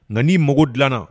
Nka' mago dilanna